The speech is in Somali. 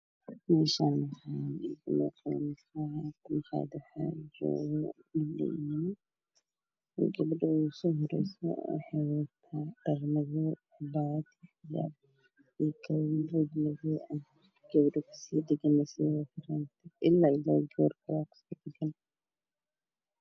Meeshaan maqaayad waaye maqaayad waxaa joogo gabadho iyo wiilal. Gabadha ugu soo horeyso waxay wadataa dhar madow ah cabaayad iyo kabo madow ah gabadha ku sii dhagana waa sidoo kale, ilaa labo gabar kusii dhagan.